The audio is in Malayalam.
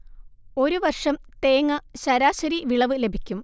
ഒരു വർഷം തേങ്ങ ശരാശരി വിളവ് ലഭിക്കും